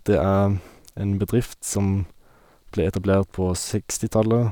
Det er en bedrift som ble etablert på sekstitallet.